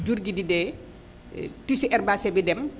jur gi di dee tissu herbacé bi dem